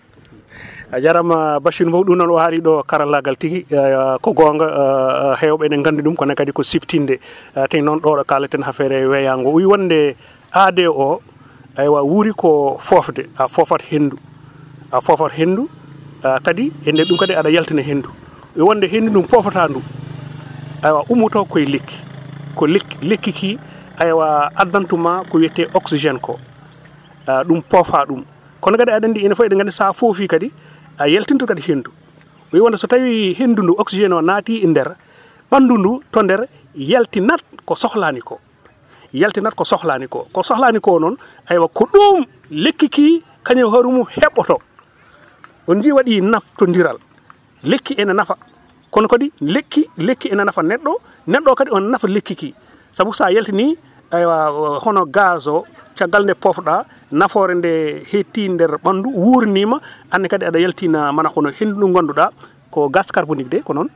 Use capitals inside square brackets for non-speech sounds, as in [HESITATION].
[HESITATION] [BREATH]